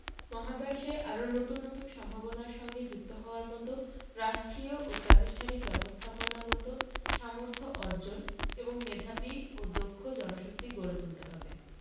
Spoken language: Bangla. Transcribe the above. মহাকাশে আরও নতুন নতুন সম্ভাবনার সঙ্গে যুক্ত হওয়ার মতো রাষ্ট্রীয় ও প্রাতিষ্ঠানিক ব্যবস্থাপনাগত সামর্থ্য অর্জন এবং মেধাবী ও দক্ষ জনশক্তি গড়ে তুলতে হবে